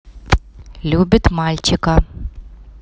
любит мальчика